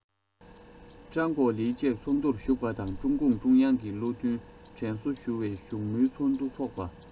ཀྲང ཀའོ ལི བཅས ཚོགས འདུར ཞུགས པ དང ཀྲུང གུང ཀྲུང དབྱང གིས བློ མཐུན དྲན གསོ ཞུ བའི བཞུགས མོལ ཚོགས འདུ འཚོགས པ